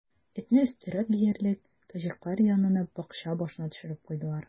Этне, өстерәп диярлек, таҗиклар янына, бакча башына төшереп куйдылар.